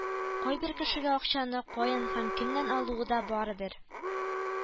Кайбер кешегә акчаны каян һәм кемнән алуы да барыбер